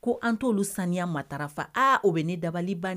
Ko an t' saniya matara o bɛ ne dabaliban